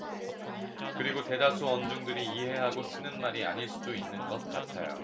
그리고 대다수 언중들이 이해하고 쓰는 말이 아닐 수도 있는 것 같아요